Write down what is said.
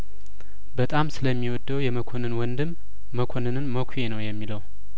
በጣም ስለሚወደው የመኮንን ወንድም መኮንንን መኳ ነው የሚለው